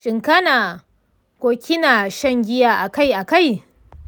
shin kana/kina shan giya a kai-a kai?